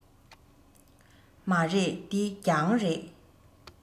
མ རེད འདི གྱང རེད